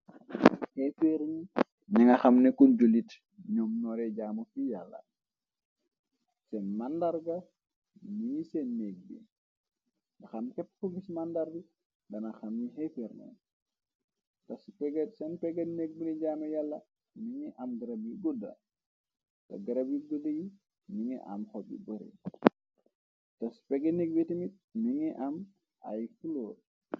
xefeer ni ña nga xam nekun julit ñoom noore jaamu fi yàlla seen màndarga mi ñi seen négg bi axam képp ko gis màndarbi dana xam ni xefeerna tesseen pega negg buni jaanu yàlla mi ngi am garab yi gudda te gërab yi gudda yi mi ngi am xogi bëre tes peg neg witi mit mi ngi am ay flor